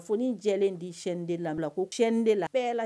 Foni jɛlen di Chaine 2 lamɛla ko Chaine 2 la bɛɛ laj